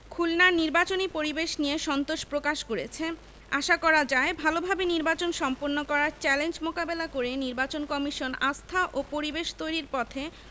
খুলনার নির্বাচনী পরিবেশ নিয়ে সন্তোষ প্রকাশ করেছে আশা করা যায় ভালোভাবে নির্বাচন সম্পন্ন করার চ্যালেঞ্জ মোকাবেলা করে নির্বাচন কমিশন আস্থা ও পরিবেশ তৈরির পথে